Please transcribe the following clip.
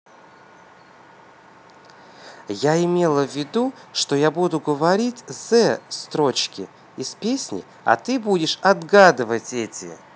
я имела ввиду что я буду говорить the строчки из песни а ты будешь отгадывать эти